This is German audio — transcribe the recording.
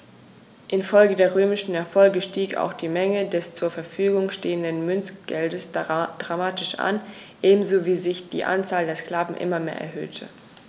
Infolge der römischen Erfolge stieg auch die Menge des zur Verfügung stehenden Münzgeldes dramatisch an, ebenso wie sich die Anzahl der Sklaven immer mehr erhöhte.